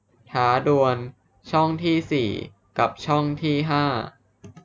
ท้าดวลช่องที่สี่กับช่องที่ห้า